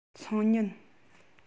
སང ཉིན